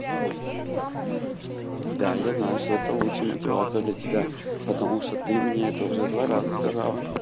да я знаю что это лучшая мотивация для тебя потому что ты мне это уже два раза сказала